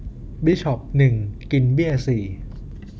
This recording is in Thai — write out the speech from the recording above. บิชอปหนึ่งกินเบี้ยสี่